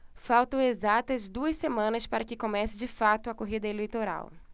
faltam exatas duas semanas para que comece de fato a corrida eleitoral